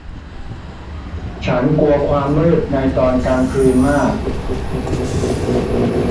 ฉันกลัวความมืดในตอนกลางคืนมาก